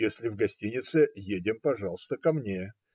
Если в гостинице, едем, пожалуйста, ко мне.